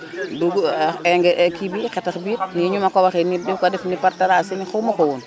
dugu engrais bi kii bi xetax gi nii ñu ma ko waxee nii nañu ko def nii par tracé nii xamuma ko woon